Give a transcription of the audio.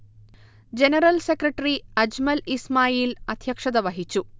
general secretary Ajmal Ismail അധ്യക്ഷത വഹിച്ചു